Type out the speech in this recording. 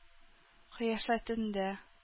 Кыяфәтендә